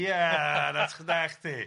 Ie, 'na- 'na chdi...